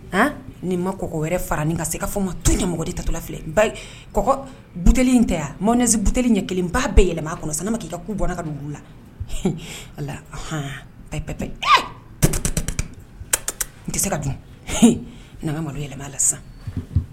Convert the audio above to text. Ni ma kɔkɔ wɛrɛ fara ni ka se k' fɔ ma to ɲɛmɔgɔ de ta filɛ but in tɛ yan mɔnɛsin butli ɲɛ kelen ba bɛɛ yɛlɛma kɔnɔ ma k' ka k'u bɔ ka dugu la h aan app n tɛ se ka dun nana malo yɛlɛma la sisan